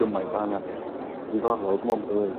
gymaint o hanas diddorol dwi me'l bod o'n ddeu